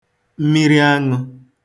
mmiriaṅụ̄